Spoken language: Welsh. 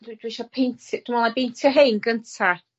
Rwy dwi isio peint- dwi me'wl nâi beintio rhein gynta.